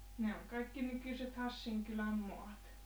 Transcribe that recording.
ne on kaikki nykyiset Hassin kylän maat